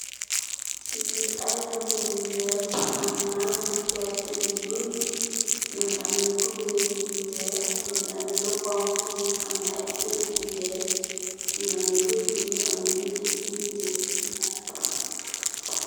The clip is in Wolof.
Li ay botali weer yu am naan bu seda yu bari mogi ame kuberr yu weex yu ame lu xonxu nugi ame ay keyt yu weex mogi ame keyti mogi ame dindi yu nuul.